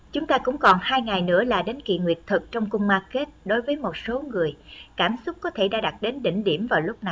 chúng ta cũng còn ngày nữa là đến kỳ nguyệt thực trong cung ma kết đối với một số người cảm xúc có thể đã đạt đến đỉnh điểm vào lúc này